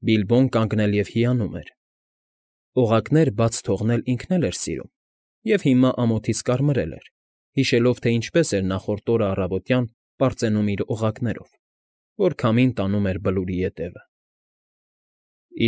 Բիլբոն կանգնել և հիանում էր. օղակներ բաց թողնել ինքն էլ էր սիրում և հիմա ամոթից կարմարել էր, հիշելով, թե ինչպես էր նախորդ օրն առավոտյան պարծենում իր օղակներով, որ քամին տանում էր Բլուրի ետևը։ ֊